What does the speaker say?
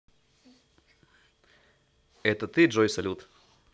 это ты джой салют